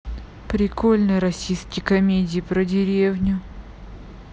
прикольные российские комедии про деревню